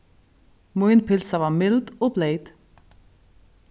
mín pylsa var mild og bleyt